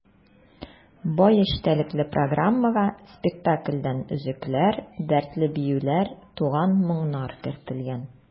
Бай эчтәлекле программага спектакльләрдән өзекләр, дәртле биюләр, туган моңнар кертелгән.